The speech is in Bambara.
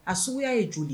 A suguyaa ye joli